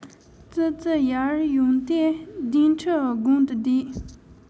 ཙི ཙི ཡར ཡོང སྟེ གདན ཁྲིའི སྒང དུ བསྡད